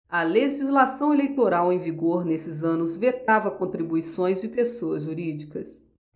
a legislação eleitoral em vigor nesses anos vetava contribuições de pessoas jurídicas